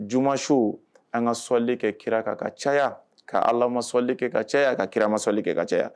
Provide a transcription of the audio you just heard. Jumaso an ka soli kɛ kira ka ka caya ka ala mali kɛ ka cayaya ka kiramali kɛ ka caya